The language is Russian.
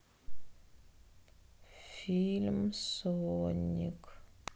фильм соник